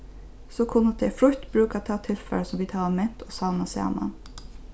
so kunnu tey frítt brúka tað tilfar sum vit hava ment og savnað saman